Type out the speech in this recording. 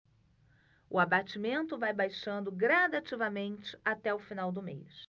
o abatimento vai baixando gradativamente até o final do mês